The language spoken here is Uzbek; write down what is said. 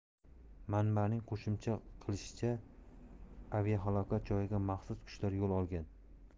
manbaning qo'shimcha qilishicha aviahalokat joyiga maxsus kuchlar yo'l olgan